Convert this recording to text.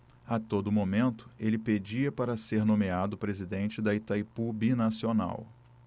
a todo momento ele pedia para ser nomeado presidente de itaipu binacional